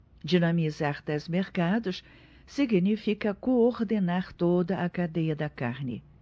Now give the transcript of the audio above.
dinamizar tais mercados significa coordenar toda a cadeia da carne